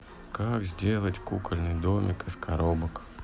как сделать кукольный домик из коробок